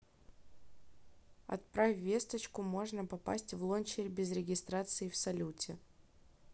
отправь весточку можно попасть в лончере без регистрации в салюте